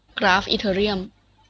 กราฟอีเธอเรียม